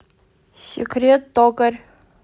секрет токарь